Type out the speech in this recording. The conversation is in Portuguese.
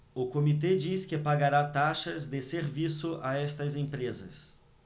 o comitê diz que pagará taxas de serviço a estas empresas